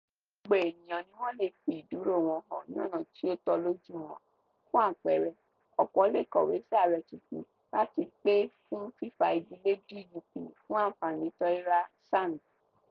Gbogbo ènìyàn ní wọ́n lè fi ìdúró wọn hàn ní ọ̀nà tí ó tọ́ lójú wọn - fún àpẹẹrẹ, ọ̀pọ̀ lè kọ̀wé sí ààrẹ tuntun láti pè fún fífa igi le DUP fún àǹfààní Toliara Sands.